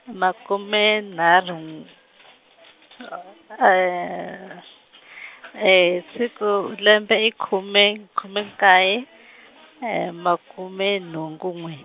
makume nharhu hi siku lembe i khume khume nkaye , makume nhungu n'we.